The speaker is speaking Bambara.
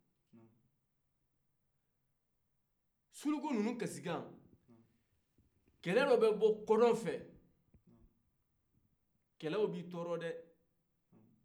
kɛlɛ dɔ bɛ bɔ wɔrɔdugu fɛ